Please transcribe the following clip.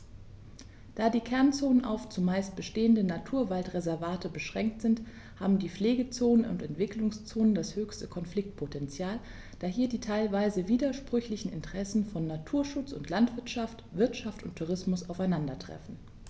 Da die Kernzonen auf – zumeist bestehende – Naturwaldreservate beschränkt sind, haben die Pflegezonen und Entwicklungszonen das höchste Konfliktpotential, da hier die teilweise widersprüchlichen Interessen von Naturschutz und Landwirtschaft, Wirtschaft und Tourismus aufeinandertreffen.